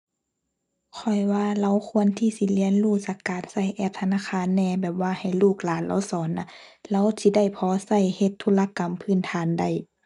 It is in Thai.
ข้อยว่าเลาควรที่สิเรียนรู้จากการใช้แอปธนาคารแหน่ แบบว่าให้ลูกหลานเลาสอนน่ะ เลาสิได้พอใช้เฮ็ดธุรกรรมพื้นฐานได้